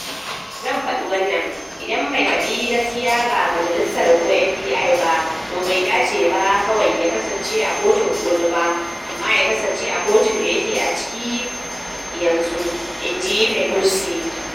"Zan faɗi wannan - idan bai fadi gaskiya ga majalisa ko FBI ba, to bai dace ba kawai ya kasance a Kotun Koli ba, amma ya kasance a kotun da yake ciki a yanzu," in ji Pelosi.